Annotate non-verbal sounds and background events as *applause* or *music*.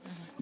*hesitation* *hesitation*